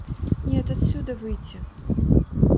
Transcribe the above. нет отсюда выйти